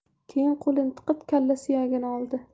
keyin qo'lini tiqib kalla suyagini oldi